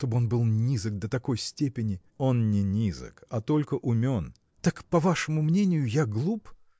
чтоб он был низок до такой степени! – Он не низок, а только умен. – Так, по вашему мнению, я глуп?